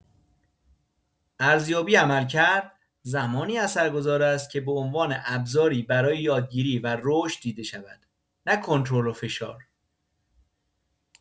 ارزیابی عملکرد زمانی اثرگذار است که به‌عنوان ابزاری برای یادگیری و رشد دیده شود، نه کنترل و فشار.